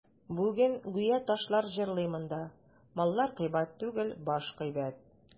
Бүген гүя ташлар җырлый монда: «Маллар кыйбат түгел, баш кыйбат».